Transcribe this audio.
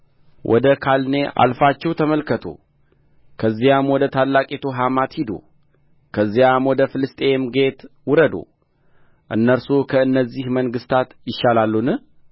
ወደ ካልኔ አልፋችሁ ተመልከቱ ከዚያም ወደ ታላቂቱ ሐማት ሂዱ ከዚያም ወደ ፍልስጥኤም ጌት ውረዱ እነርሱ ከእነዚህ መንግሥታት ይሻላሉን